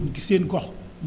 ci seen gox